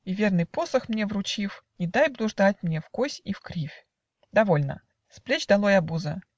И, верный посох мне вручив, Не дай блуждать мне вкось и вкрив. Довольно. С плеч долой обуза!